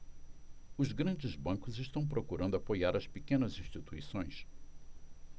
os grandes bancos estão procurando apoiar as pequenas instituições